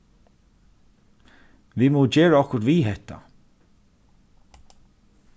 vit mugu gera okkurt við hetta